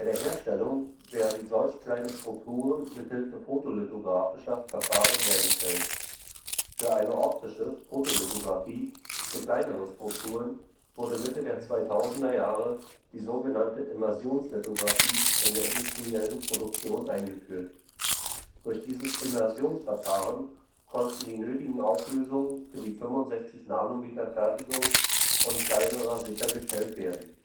Herstellung werden solch kleine Strukturen mithilfe fotolithographischer Verfahren hergestellt. Für eine „ optische “Fotolithografie für kleinere Strukturen wurde Mitte der 2000er Jahre die sogenannte Immersionslithografie in der industriellen Produktion eingeführt. Durch dieses Immersionsverfahren konnten die nötigen Auflösungen für die 65-nm-Fertigung und kleiner sichergestellt werden